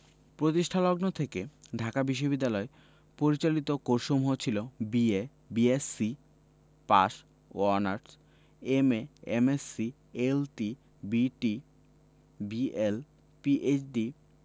প্রতিষ্ঠালগ্ন থেকে ঢাকা বিশ্ববিদ্যালয় পরিচালিত কোর্সসমূহ ছিল বি.এ বি.এসসি পাস ও honours MA MSc LT BT BL P H D.